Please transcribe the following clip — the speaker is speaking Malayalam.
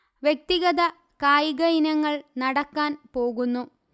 വ്യക്തിഗത കായിക ഇനങ്ങൾ നടക്കാൻപോകുന്നു